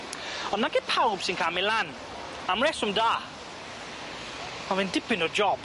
On' nag yw pawb sy'n ca'l myn' lan, am reswm da, a mae'n dipyn o job.